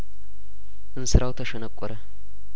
እንስራው ተሸነቆረ